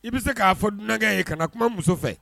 I bɛ se k'a fɔ dunangɛ ye kana kuma muso fɛ